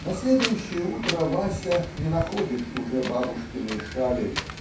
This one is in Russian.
На следующее утро Вася не находит уже бабушкиной шали.